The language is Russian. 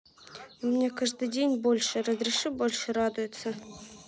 у меня каждый день больше разреши больше радуются